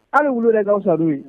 Aw wolo de k'aw sa ye